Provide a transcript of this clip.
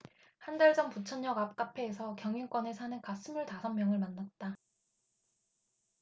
한 달 전 부천역 앞 카페에서 경인권에 사는 갓 스물 다섯 명을 만났다